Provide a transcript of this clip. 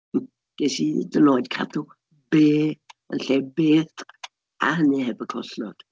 Ges i hyd yn oed cadw "be" yn lle "beth", a hynny heb y collnod.